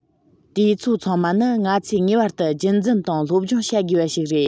དེ ཚོ ཚང མ ནི ང ཚོས ངེས པར དུ རྒྱུན འཛིན དང སློབ སྦྱོང བྱ དགོས པ ཞིག རེད